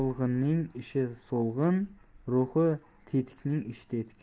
ruhi tetikning ishi tetik